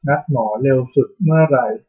นัดหมอเร็วสุดเมื่อไหร่